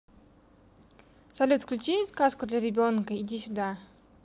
салют включи сказку для ребенка иди сюда